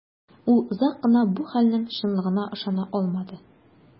Ул озак кына бу хәлнең чынлыгына ышана алмады.